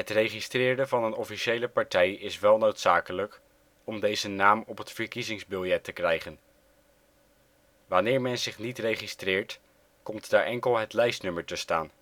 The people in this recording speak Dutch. registreren van een officiële partij is wel noodzakelijk om deze naam op het verkiezingsbiljet te krijgen. Wanneer men zich niet registreert, komt daar enkel het lijstnummer te staan